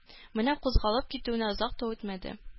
Менә кузгалып китүенә озак та үтмәде